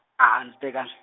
a a ni tekang-.